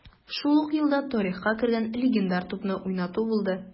Шул ук елда тарихка кергән легендар тупны уйнату булды: